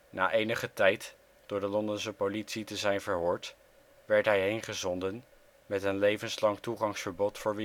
Na enige tijd door de Londense politie te zijn verhoord werd hij heengezonden met een levenslang toegangsverbod voor